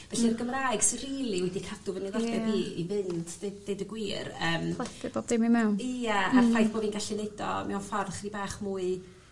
Felly'r Gymraeg sy rili wedi cadw fy niddordeb... Ie. ...i i fynd 'sti. Deud y gwir yym... Plethu bob dim i mewn. Ie a'r ffaith bo' fi'n gallu neud o mewn ffor chydig bach mwy